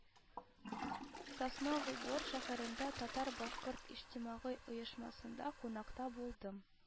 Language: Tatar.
Сосновый Бор шәһәрендә Татар-башкорт иҗтимагый оешмасында кунакта булдым